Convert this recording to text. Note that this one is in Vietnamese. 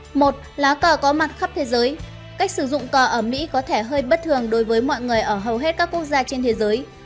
lá cờ có mặt khắp thế giới trước hết cách sử dụng cờ ở mỹ có thể hơi bất thường đối với mọi người ở hầu hết các quốc gia trên thế giới